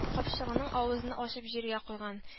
Капчыгының авызын ачып җиргә куйган